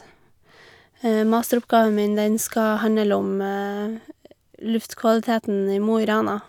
Masteroppgaven min, den skal handle om luftkvaliteten i Mo i Rana.